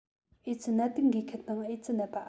ཨེ ཙི ནད དུག འགོས མཁན དང ཨེ ཙི ནད པ